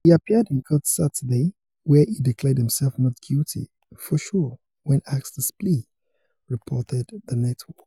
He appeared in court Saturday, where he declared himself "not guilty, for sure" when asked his plea, reported the network.